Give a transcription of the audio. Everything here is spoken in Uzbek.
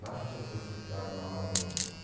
barcha juftliklari ma'lum bo'ldi